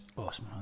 Oes mae na.